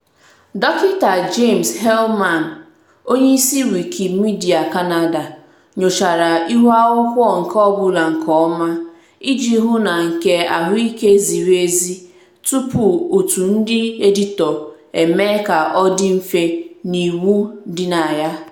Dọkịta James Heilman, onyeisi Wikimedia Canada, nyochara ihuakwụkwọ nke ọbụla nke ọma, iji hụ na nke ahụike ziri ezi, tupu òtù ndị editọ emee ka ọ dị mfe n'Iwu Ndịnaya.